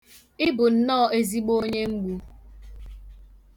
Ị bụ nnọọ ezigbo onyemgbu.